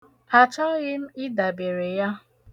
Achọghị m ịdabere ya.